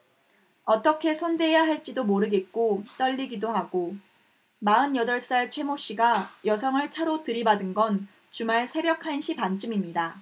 어떻게 손대야 할지도 모르겠고 떨리기도 하고 마흔 여덟 살 최 모 씨가 여성을 차로 들이받은 건 주말 새벽 한 시 반쯤입니다